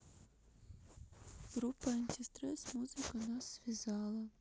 группа антистресс музыка нас связала